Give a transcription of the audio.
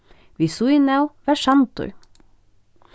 við síðuna av var sandur